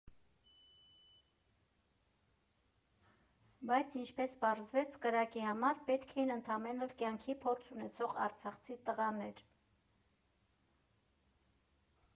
Բայց ինչպես պարզվեց, կրակի համար պետք էին ընդամենը կյանքի փորձ ունեցող արցախցի տղաներ։